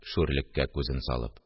Шүрлеккә күзен салып